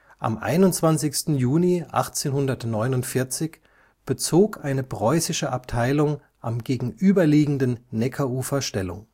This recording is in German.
Am 21. Juni 1849 bezog eine preußische Abteilung am gegenüberliegenden Neckarufer Stellung